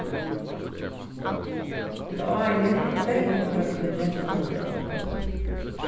hendan áin er tvey hundrað kilometrar long